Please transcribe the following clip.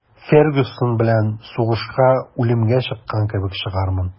«фергюсон белән сугышка үлемгә чыккан кебек чыгармын»